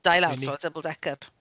dau lawr... mini. ...so double-decker.